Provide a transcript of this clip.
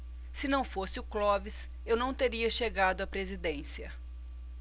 se não fosse o clóvis eu não teria chegado à presidência